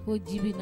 Koo ji bi